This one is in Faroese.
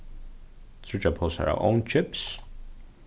tríggjar posar av ovnkips